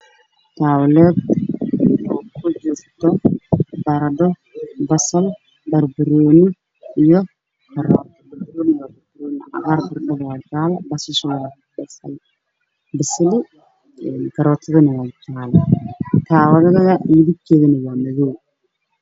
Waa degsi madow waxaa ku jira basaal barando kaarooto bal banooni s ayay saaran yihiin